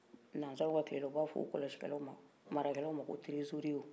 nasar'aw ka tile la u b'a marakelaw ma k'o teresorier